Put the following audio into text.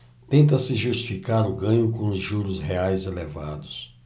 tenta-se justificar o ganho com os juros reais elevados